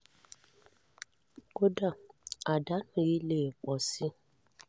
Kódà, àdánù yí lè pọ̀ si.”